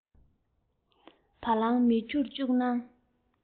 བ གླང མི ཁྱུར བཅུག གནང